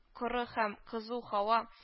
Коры һәм кызу һава